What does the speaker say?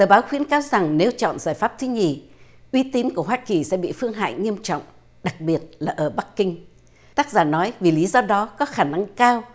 tờ báo khuyến cáo rằng nếu chọn giải pháp thứ nhì uy tín của hoa kỳ sẽ bị phương hại nghiêm trọng đặc biệt là ở bắc kinh tác giả nói vì lý do đó có khả năng cao